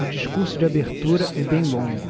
o discurso de abertura é bem longo